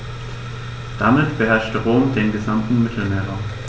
Damit beherrschte Rom den gesamten Mittelmeerraum.